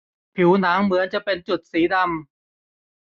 ผิวหนังเหมือนจะเป็นจุดสีดำ